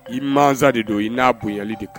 I mansa de don i n'a bonyali de kan